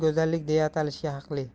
go'zallik deya atalishga haqli